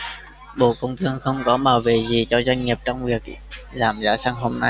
bộ công thương không có bảo vệ gì cho doanh nghiệp trong việc giảm giá xăng hôm nay